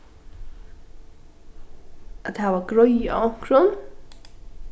at hava greiðu á onkrum